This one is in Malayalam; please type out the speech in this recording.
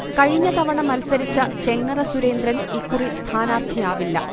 കഴിഞ്ഞതവണ മത്സരിച്ച ചെങ്ങറ സുരേന്ദ്രൻ ഇക്കുറി സ്ഥാനാർഥിയാവില്ല